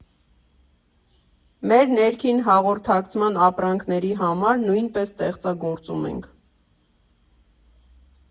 Մեր ներքին հաղորդակցման ապրանքների համար նույնպես ստեղծագործում ենք։